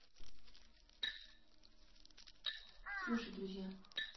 слушать друзья